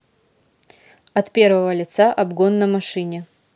от первого лица обгон на машине